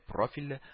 Профильле